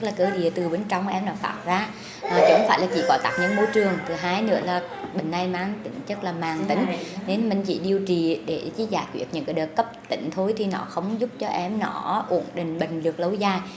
là cơ địa từ bên trong em nó phát ra chẳng phải là chỉ có tác nhân môi trường thứ hai nữa là bệnh này mang tính chất là mãn tính nên mình chỉ điều trị để chỉ giải quyết những cái đợt cấp tính thôi thì nó không giúp cho em nó ổn định bệnh được lâu dài